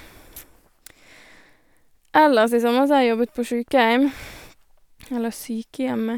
Ellers i sommer så har jeg jobbet på sjukeheim, eller sykehjemmet.